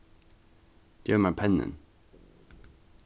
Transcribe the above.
gev mær pennin